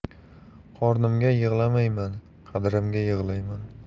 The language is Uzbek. qornimga yig'lamayman qadrimga yig'layman